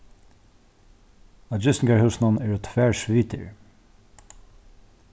á gistingarhúsinum eru tvær svitur